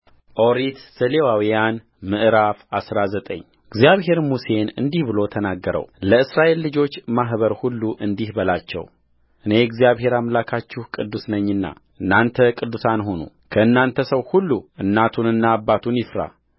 ኦሪት ዘሌዋውያን ምዕራፍ አስራ ዘጠኝ እግዚአብሔርም ሙሴን እንዲህ ብሎ ተናገረውለእስራኤል ልጆች ማኅበር ሁሉ እንዲህ ባላቸው እኔ እግዚአብሔር አምላካችሁ ቅዱስ ነኝና እናንተ ቅዱሳን ሁኑከእናንተ ሰው ሁሉ እናቱንና አባቱን ይፍራ